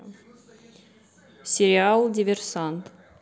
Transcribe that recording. сериал диверсант